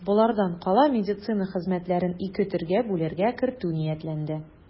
Болардан кала медицина хезмәтләрен ике төргә бүләргә кертү ниятләнде.